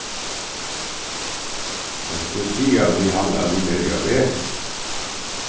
kanst tú siga við hann at vit eru á veg